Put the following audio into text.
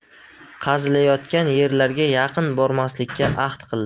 qazilayotgan yerlarga yaqin bormaslikka ahd qildi